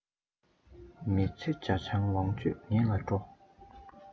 མི ཚེ ཇ ཆང ལོངས སྤྱོད ངང ལ འགྲོ